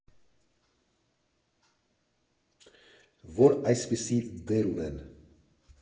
Որ այսպիսի դեր ունեն…